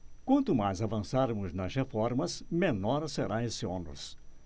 quanto mais avançarmos nas reformas menor será esse ônus